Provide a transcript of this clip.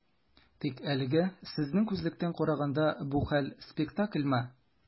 Тик әлегә, сезнең күзлектән караганда, бу хәл - спектакльмы?